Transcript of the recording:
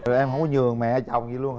rồi em không có nhường mẹ chồng gì luôn hả